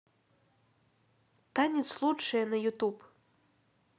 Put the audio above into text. танец лучшее на youtube